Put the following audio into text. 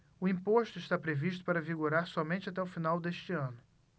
o imposto está previsto para vigorar somente até o final deste ano